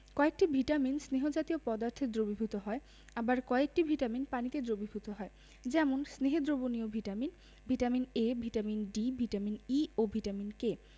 কয়েকটি ভিটামিন স্নেহ জাতীয় পদার্থে দ্রবীভূত হয় আবার কয়েকটি ভিটামিন পানিতে দ্রবীভূত হয় যেমন স্নেহে দ্রবণীয় vitamin vitamin A vitamin D vitamin E ও ভিটামিন কে